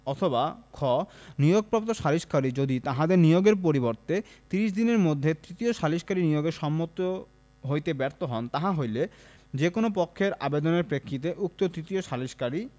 অথবা খ নিয়োগপ্রাপ্ত সালিসকারী যদি তাহাদের নিয়োগের পরবর্তি ত্রিশ দিনের মধ্যে তৃতীয় সালিসকারী নিয়োগে সম্মত হইতে ব্যর্থ হন তাহা হইলে যে কোন পক্ষের আবেদনের প্রেক্ষিতে উক্ত তৃতীয় সালিসকারী